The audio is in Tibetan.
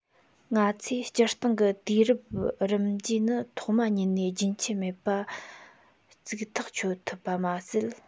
ང ཚོས སྤྱིར བཏང གི དུས རབས རིམ བརྗེ ནི ཐོག མ ཉིད ནས རྒྱུན ཆད མེད པ ཚིག ཐག གཅོད ཐུབ པ མ ཟད